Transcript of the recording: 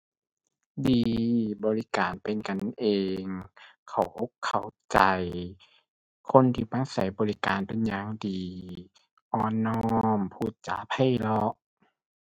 ดี บริการเป็นกันเอง เข้าอกเข้าใจคนที่มาใช้บริการเป็นอย่างดี อ่อนน้อม พูดจาไพเราะ